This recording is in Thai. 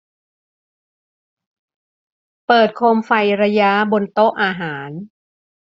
เปิดโคมไฟระย้าบนโต๊ะอาหาร